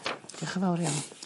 Diolch yn fawr iawn.